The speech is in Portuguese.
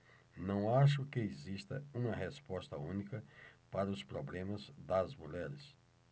não acho que exista uma resposta única para os problemas das mulheres